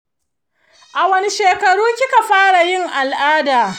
a wane shekaru kika fara yin al’ada?